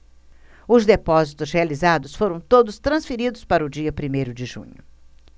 os depósitos realizados foram todos transferidos para o dia primeiro de junho